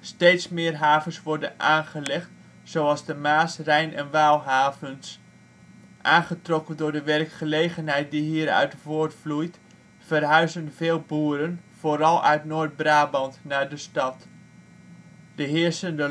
Steeds meer havens worden aangelegd, zoals de Maas -, Rijn - en Waalhavens. Aangetrokken door de werkgelegenheid die hieruit voortvloeit, verhuizen veel boeren, vooral uit Noord-Brabant, naar de stad. De heersende landbouwcrisis